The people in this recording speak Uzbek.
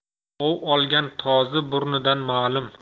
ov olgan tozi burnidan ma'lum